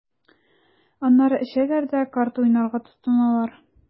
Аннары эчәләр дә карта уйнарга тотыналар.